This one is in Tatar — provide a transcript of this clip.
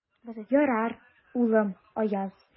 Ярар, улым, Аяз.